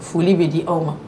Foli bɛ di aw ma